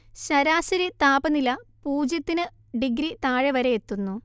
ശരാശരി താപനില പൂജ്യത്തിന് ഡിഗ്രി താഴെ വരെയെത്തുന്നു